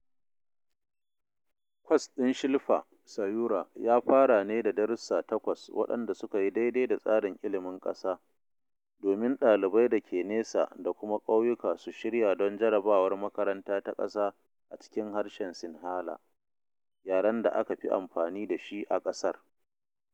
Kwas ɗin Shilpa Sayura ya fara ne da darussa takwas waɗanda suka yi daidai da tsarin ilimin ƙasa, domin ɗalibai dake nesa da kuma ƙauyuka su shirya don jarabawar makaranta ta ƙasa a cikin harshen Sinhala, yaren da aka fi amfani dashi a ƙasar.